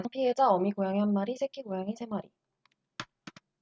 부상 피해자 어미 고양이 한 마리 새끼 고양이 세 마리